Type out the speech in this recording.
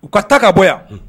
U ka ta ka bɔ yan